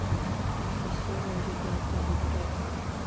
веселые ребята выкройка